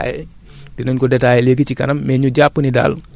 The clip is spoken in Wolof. compostage boobu noonu peut être dinañ ko gën a détaillé